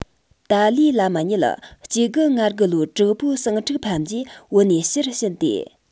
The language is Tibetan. ཏཱ ལའི བླ མ ཉིད གཅིག དགུ ང དགུ ལོའི དྲག པོའི ཟིང འཁྲུག ཕམ རྗེས བོད ནས ཕྱིར ཕྱིན ཏེ